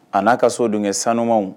A n'a ka so dunkɛ sanumanw.